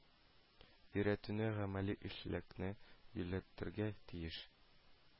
Өйрəтүне гамəли эшчəнлеккə юнəлтергə тиеш